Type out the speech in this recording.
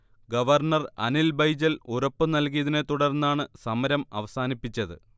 governor Anil Baijal ഉറപ്പു നൽകിയതിനെ തുടർന്നാണ് സമരം അവസാനിപ്പിച്ചത്